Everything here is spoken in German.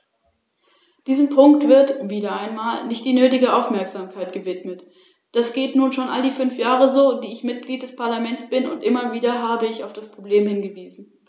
Ferner sollte die Pflicht zur Unterrichtung staatlicher Behörden bei Unfällen unumgänglich sein.